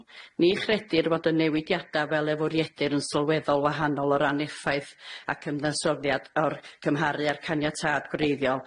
Ni chredir fod y newidiada' fel a'i fwriedir yn sylweddol wahanol o ran effaith a cyfansoddiad o'r cymharu a'r caniatâd gwreiddiol.